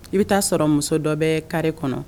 I bɛ taa sɔrɔ muso dɔ bɛ kari kɔnɔ